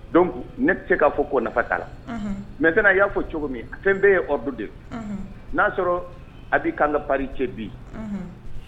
Don ne se k'a fɔ ko nafa' mɛ tɛna y'a fɔ cogo min a fɛn bɛɛ yebu dɛ n'a'a sɔrɔ a'i ka ka pa cɛ bi